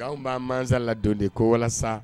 Anw' masa ladon de ko walasa